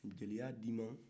jeliya kadi